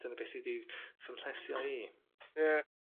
...dyna be sy 'di fy mhlesio i. Ie.